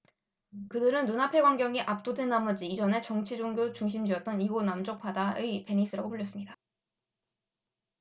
그들은 눈앞의 광경에 압도된 나머지 이전에 정치 종교 중심지였던 이곳을 남쪽 바다의 베니스라고 불렀습니다